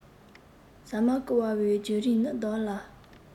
ཟ མ བརྐུ བའི བརྒྱུད རིམ ནི བདག ལ